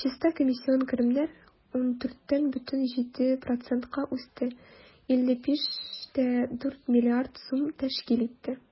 Чиста комиссион керемнәр 14,7 %-ка үсте, 55,4 млрд сум тәшкил итте.